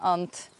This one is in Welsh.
ond